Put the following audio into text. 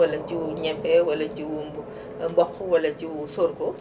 walla jiwu ñebe walla jiwu mboqu walla jiwu sorgho